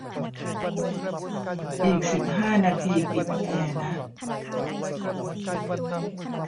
อีกสิบห้านาทีปิดแอร์นะ